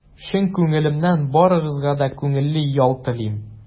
Чын күңелемнән барыгызга да күңелле ял телим!